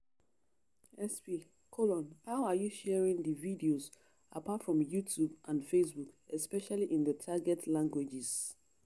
SP: How are you sharing the videos apart from YouTube and Facebook, especially in the target languages?